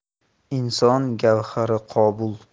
inson gavhari qobul